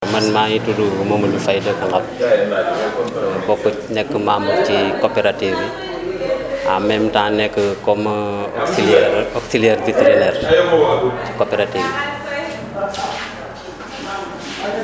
man maa ngi tudd Mamadou Fye dëkk Ngop bokk nekk membre ci coopérative bi en même temps nekk auxiliaire vétérinaire ci coopérative bi